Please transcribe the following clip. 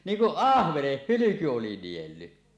niin kuin ahvenen hylky oli niellyt